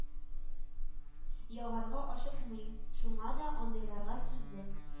Ягарга ашыкмыйм, шуңа да андыйларга сүзем